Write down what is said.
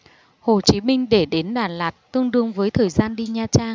hồ chí minh để đến đà lạt tương đương với thời gian đi nha trang